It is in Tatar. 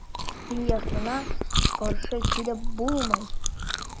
Дөньясына каршы килеп булмый.